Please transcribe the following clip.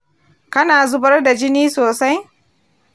kana zubar da jini sosai